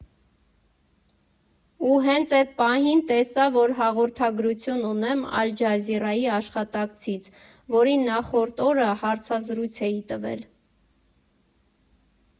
Ու հենց էդ պահին, տեսա, որ հաղորդագրություն ունեմ Ալ֊Ջազիրայի աշխատակցից, որին նախորդ օրը հարցազրույց էի տվել։